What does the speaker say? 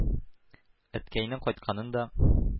Әткәйнең кайтканын да,